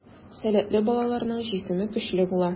Сәләтле балаларның җисеме көчле була.